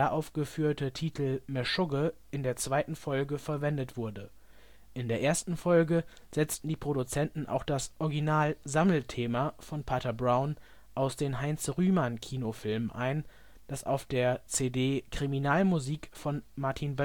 aufgeführte Titel Meschugge in der zweiten Folge verwendet wurde. In der ersten Folge setzten die Produzenten auch das Original -„ Sammelthema “von „ Pater Brown “aus den Heinz-Rühmann-Kinofilmen ein, das auf der CD „ Kriminalfilmmusik von Martin